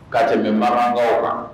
Ka tɛmɛ Makkakaw kan.